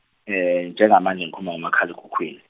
njengamanje ngikhuluma ngomakhal'ekhukhwini.